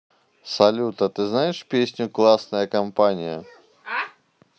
салют а ты знаешь песню классная компания